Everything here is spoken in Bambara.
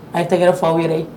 A ye tɛgɛɛrɛ fa aww yɛrɛ ye